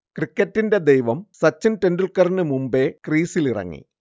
'ക്രിക്കറ്റിന്റെ ദൈവം' സച്ചിൻ ടെൻഡുൽക്കറിന് മുൻപേ ക്രീസിലിറങ്ങി